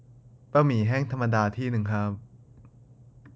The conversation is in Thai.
บะหมี่แห้งธรรมดาที่นึงครับ